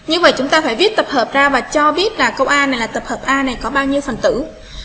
viết về chúng ta phải viết tập hợp sau và cho biết là công an là tập hợp a này có bao nhiêu phần tử